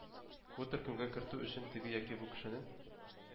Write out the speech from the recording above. Бу төркемгә кертү өчен теге яки бу кешенең